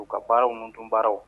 U ka baaraw, muntu baaraw